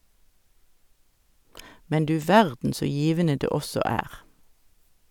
Men du verden så givende det også er.